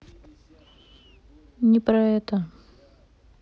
не про это